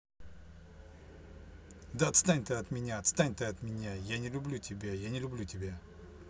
да отстань ты от меня отстань от меня я не люблю тебя я не люблю тебя